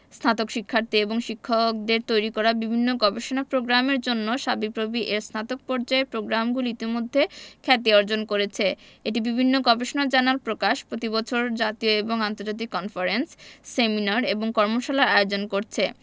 স্নাতক শিক্ষার্থী এবং শিক্ষকদের তৈরি করা বিভিন্ন গবেষণা প্রোগ্রামের জন্য শাবিপ্রবি এর স্নাতক পর্যায়ের প্রোগ্রামগুলি ইতোমধ্যে খ্যাতি অর্জন করেছে এটি বিভিন্ন গবেষণা জার্নাল প্রকাশ প্রতি বছর জাতীয় এবং আন্তর্জাতিক কনফারেন্স সেমিনার এবং কর্মশালার আয়োজন করছে